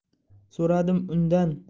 so'radim undan